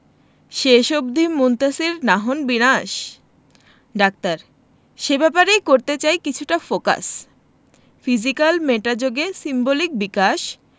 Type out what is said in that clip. শেষ অবধি মুনতাসীর না হন বিনাশ ডাক্তার সে ব্যাপারেই করতে চাই কিছুটা ফোকাস ফিজিক্যাল মেটা যোগে সিম্বলিক বিকাশ